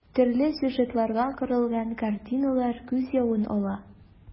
Төрле сюжетларга корылган картиналар күз явын ала.